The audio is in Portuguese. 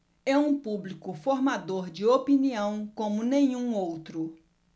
é um público formador de opinião como nenhum outro